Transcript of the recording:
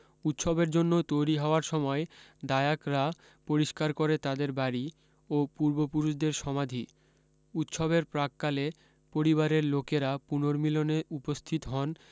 উৎসবের জন্য তৈরী হওয়ার সময় ডায়াকরা পরিষ্কার করে তাদের বাড়ী ও পূর্বপুরুষদের সমাধি উৎসবের প্রাক্কালে পরিবারের লোকেরা পুনর্মিলনে উপস্থিত হন